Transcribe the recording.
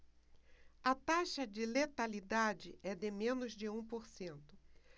a taxa de letalidade é de menos de um por cento